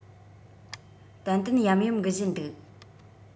ཏན ཏན ཡམ ཡོམ འགུལ བཞིན འདུག